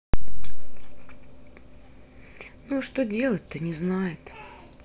ну и что делать то не знает